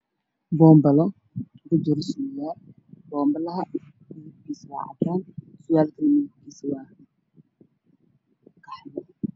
boonbalo ku jira surwaal boonbalaha midabkiisa waa cadaan surwaalka midabkiisana waanqaxwi